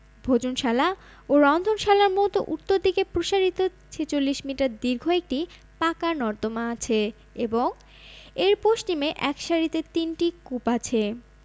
ভোজনশালা ও রন্ধনশালার মধ্যে উত্তরদিকে প্রসারিত ৪৬ মিটার দীর্ঘ একটি পাকা নর্দমা আছে এবং এর পশ্চিমে এক সারিতে তিনটি কূপ আছে